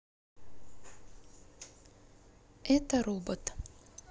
это робот